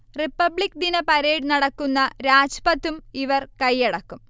republic ദിന parade നടക്കുന്ന രാജ്പഥും ഇവർ കൈയടക്കും